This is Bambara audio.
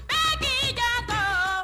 Bɛɛ k'i janto